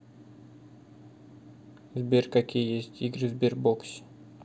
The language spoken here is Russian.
сбер какие есть игры в сбербоксе